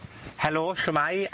Helo, shwmai.